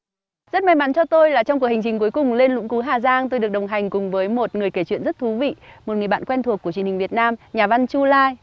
rất may mắn cho tôi là trong cuộc hành trình cuối cùng lên lũng cú hà giang tôi được đồng hành cùng với một người kể chuyện rất thú vị một người bạn quen thuộc của truyền hình việt nam nhà văn chu lai